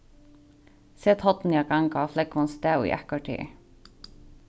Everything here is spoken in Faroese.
set hornini at ganga á flógvum stað í eitt korter